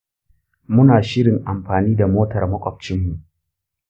muna shirin amfani da motar maƙwabcinmu.